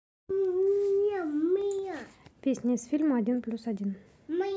песня из фильма один плюс один